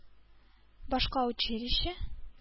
Башка училище